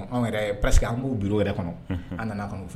Anw yɛrɛ parceri que an b'u bi o yɛrɛ kɔnɔ an nana kanusu